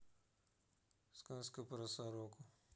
сказка про сороку